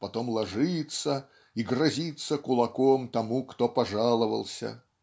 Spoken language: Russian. потом ложится и грозится кулаком тому кто пожаловался.